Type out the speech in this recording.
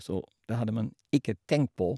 Så det hadde man ikke tenkt på.